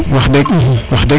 wax deg wax deg